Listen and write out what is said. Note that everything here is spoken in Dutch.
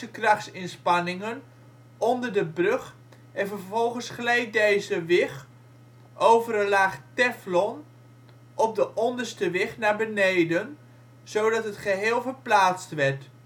krachtsinspanningen onder de brug en vervolgens gleed deze wig over een laag teflon op de onderste wig naar beneden, zodat het geheel verplaatst werd